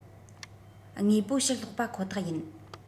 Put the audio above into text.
དངོས པོ ཕྱིར སློག པ ཁོ ཐག ཡིན